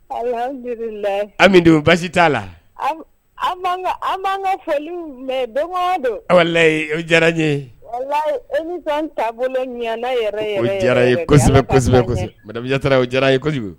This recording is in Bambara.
Alhamdu lilaahi Ami dun basi t'a la an b'an ka foliw mɛn don o don walahi o diyara n ye walahi émission taabolo ɲɛna yɛrɛ yɛrɛ de o diyara n ye kosɛbɛ kosɛbɛ.